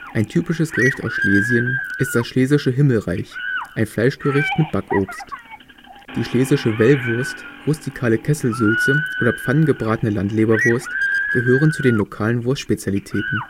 Ein typisches Gericht aus Schlesien ist das Schlesische Himmelreich, ein Fleischgericht mit Backobst. Die schlesische Wellwurst, rustikale Kesselsülze oder pfannengebratene Landleberwurst gehören zu den lokalen Wurstspezialitäten